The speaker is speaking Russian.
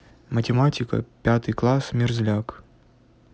математика пятый класс мерзляк